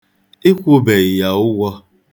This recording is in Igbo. Ị kwụbeghị ya ụgwọ?